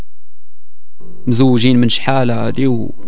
زوجي من شحال هادي